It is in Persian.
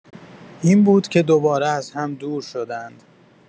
این بود که دوباره از هم دور شدند.